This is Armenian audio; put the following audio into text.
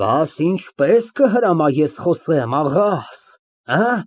Բաս ինչպես կհրամայես խոսեմ, աղաս, հը՞։